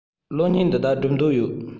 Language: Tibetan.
གློག བརྙན འདི དག སྒྲུབ འདོད ཡོད